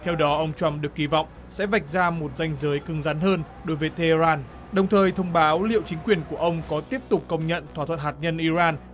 theo đó ông trăm được kỳ vọng sẽ vạch ra một ranh giới cứng rắn hơn đối với tê i ran đồng thời thông báo liệu chính quyền của ông có tiếp tục công nhận thỏa thuận hạt nhân i ran